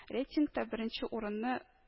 Рейтингта беренче урынны